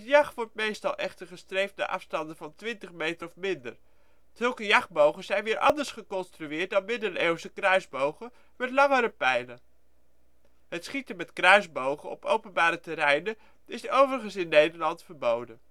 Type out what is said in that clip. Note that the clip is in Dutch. jacht wordt meestal echter gestreefd naar afstanden van 20 meter of minder. Zulke jachtbogen zijn weer anders geconstrueerd dan middeleeuwse kruisbogen, met langere pijlen. Het schieten met kruisbogen op openbare terreinen is overigens in Nederland verboden